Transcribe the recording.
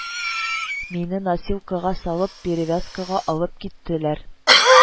Мине носилкага салып перевяз-кага алып киттеләр